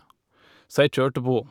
Så jeg kjørte på.